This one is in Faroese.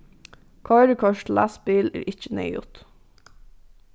koyrikort til lastbil er ikki neyðugt